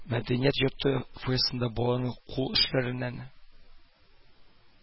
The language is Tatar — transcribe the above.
Мәдәният йорты фойесында балаларның кул эшләреннән